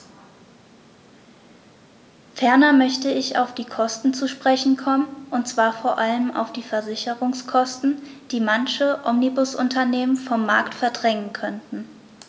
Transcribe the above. Ferner möchte ich auf die Kosten zu sprechen kommen, und zwar vor allem auf die Versicherungskosten, die manche Omnibusunternehmen vom Markt verdrängen könnten.